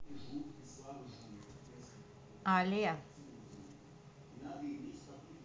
але